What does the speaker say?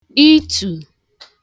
itù